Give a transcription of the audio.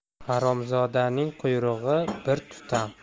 haromzodaning quyrug'i bir tutam